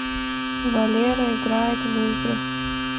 валера играет в игры